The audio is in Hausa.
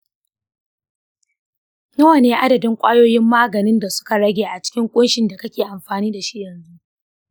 nawa ne adadin kwayoyin maganin da suka rage a cikin kunshin da kake amfani da shi yanzu?